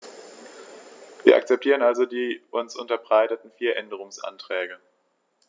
Wir akzeptieren also die uns unterbreiteten vier Änderungsanträge.